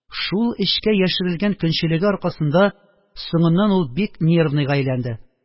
Шул эчкә яшерелгән көнчелеге аркасында соңыннан ул бик нервныйга әйләнде